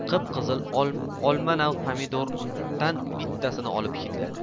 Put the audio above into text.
qip qizil olma nav pomidordan bittasini olib hidladi